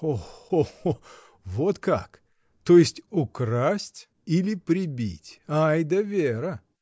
— О-о-о — вот как: то есть украсть или прибить. Ай да Вера!